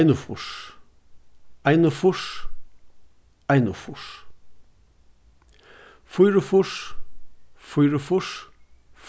einogfýrs einogfýrs einogfýrs fýraogfýrs fýraogfýrs